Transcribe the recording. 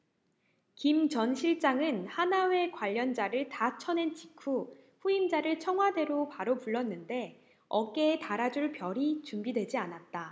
김 전 실장은 하나회 관련자를 다 쳐낸 직후 후임자를 청와대로 바로 불렀는데 어깨에 달아줄 별이 준비되지 않았다